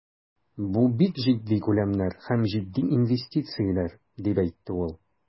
Бу бик җитди күләмнәр һәм җитди инвестицияләр, дип әйтте ул.